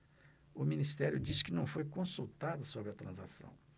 o ministério diz que não foi consultado sobre a transação